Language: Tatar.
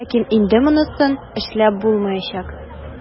Ләкин инде монысын эшләп булмаячак.